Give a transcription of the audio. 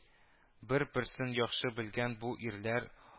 Бер-берсен яхшы белгән бу ирләр